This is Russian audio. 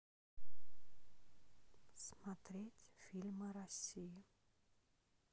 смотреть фильмы россии